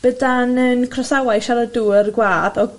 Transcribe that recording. bydan yn crosawau siaradwyr gwad o